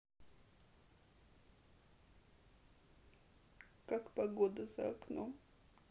как погода за окном